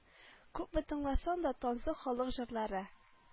Күпме тыңласаң да тансык халык җырлары